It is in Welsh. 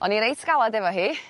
O'n i reit galad efo hi.